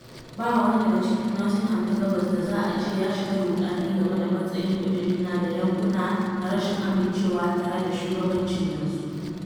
Ba wani daga cikin Nottingham ta Gabas da za a ce ya shiga ruɗani game da matsayin ƙudurina da yankuna na rashin amincewa tare da shugabancin yanzu.